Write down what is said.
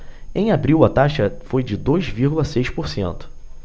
em abril a taxa foi de dois vírgula seis por cento